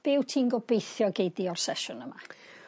Be wt ti'n gobeithio gei di o'r sesiwn yma?